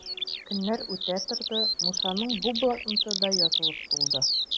Көннәр үтә торды, Мусаның бу блокноты да язылып тулды.